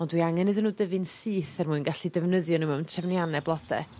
ond dwi angen iddyn n'w dyfu'n syth er mwyn gallu defnyddio n'w mewn trefnianne blode.